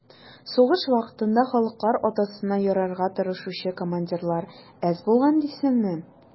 Сугыш вакытында «халыклар атасына» ярарга тырышучы командирлар әз булган дисеңме?